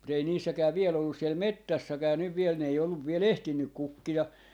mutta ei niissäkään vielä ollut siellä metsässäkään nyt vielä ne ei ollut vielä ehtinyt kukkia